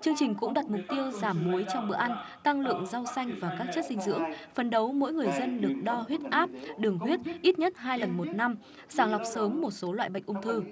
chương trình cũng đặt mục tiêu giảm muối trong bữa ăn tăng lượng rau xanh và các chất dinh dưỡng phấn đấu mỗi người dân được đo huyết áp đường huyết ít nhất hai lần một năm sàng lọc sớm một số loại bệnh ung thư